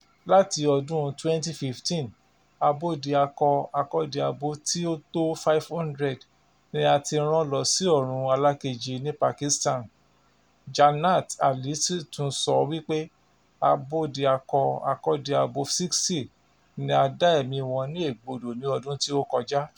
Láti ọdún 2015, abódiakọ-akọ́diabo tí ó tó 500 ni a ti rán lọ sí ọ̀run alakákeji ní Pakistan , Jannat Ali sì tún sọ wípé Abódiakọ-akọ́diabo 60 ni a dá ẹ̀mí wọn ní ẹ̀gbodò ní ọdún tí ó kọjá.